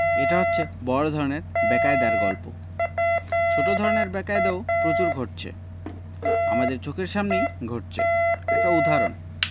এটা হচ্ছে বড় ধরনের বেকায়দার গল্প ছোট ধরনের বেকায়দাও প্রচুর ঘটছে আমাদের চোখের সামনেই ঘটছে একটা উদাহরণ